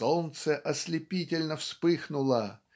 "солнце ослепительно вспыхнуло"